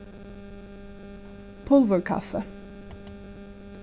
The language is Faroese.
pulvurkaffi